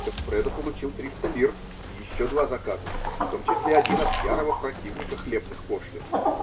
Гоффредо получил триста лир и еще два заказа, в том числе один от ярого противника хлебных пошлин